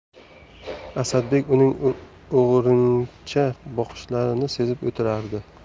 asadbek uning o'g'rincha boqishlarini sezib o'tirardi